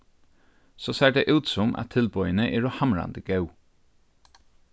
so sær tað út sum at tilboðini eru hamrandi góð